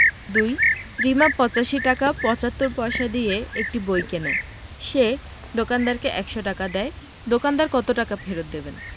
২ রিমা ৮৫ টাকা ৭৫ পয়সা দিয়ে একটি বই কেনে সে দোকানদারকে ১০০ টাকা দেয় দোকানদার কত টাকা ফেরত দেবেন